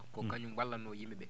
ko kañum wallatno yimɓe ɓe